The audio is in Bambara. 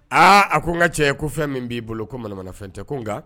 Aa a ko n ka cɛ ye ko fɛn min b'i bolo ko manamanafɛn tɛ ko n nka